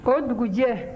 o dugujɛ